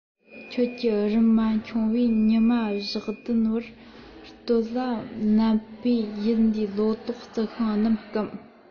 ཁྱིད ཀྱི རིན མ འཁྱོངས བས ཉི མ ཞག བདུན བར སྟོད ལ མནན པས ཡུལ འདིའི ལོ ཏོག རྩི ཤིང རྣམས བསྐམས